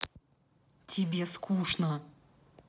тебе скучно